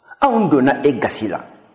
anw donna e gasi la